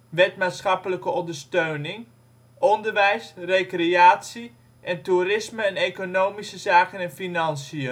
Wet Maatschappelijke ondersteuning), Onderwijs, Recreatie en Toerisme en Economische zaken en Financiën